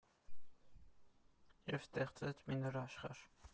Եվ ստեղծվեց մի նոր աշխարհ։